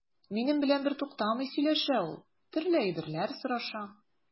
Минем белән бертуктамый сөйләшә ул, төрле әйберләр сораша.